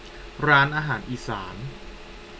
ร้านอาหารอีสาน